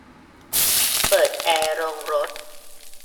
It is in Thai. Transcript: เปิดแอร์โรงรถ